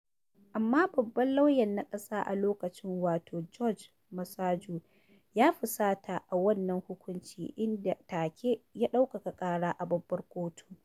Amma babban lauyan na ƙasa a lokacin wato George Masaju ya fusata da wannan hukuncin inda nan take ya ɗaukaka ƙara a Babbar Kotu.